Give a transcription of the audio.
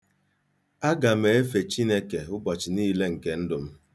Aga m efe Chineke ụbọchị niile nke ndụ m.